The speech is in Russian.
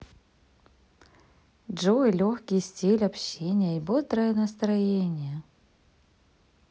джой легкий стиль общения и бодрое настроение